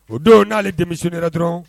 O don n'ale denmisɛnnin la dɔrɔn